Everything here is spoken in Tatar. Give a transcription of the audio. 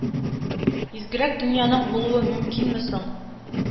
Изгерәк дөньяның булуы мөмкинме соң?!